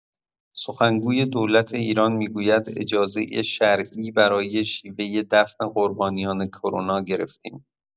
سخنگوی دولت ایران می‌گوید اجازه شرعی برای شیوه دفن قربانیان کرونا گرفتیم.